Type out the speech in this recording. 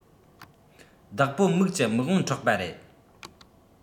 བདག པོ མིག གྱི མིག དབང འཕྲོག པ རེད